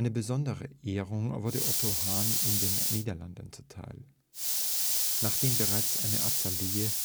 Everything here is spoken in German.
besondere Ehrung wurde Otto Hahn in den Niederlanden zuteil: Nachdem bereits eine Azalee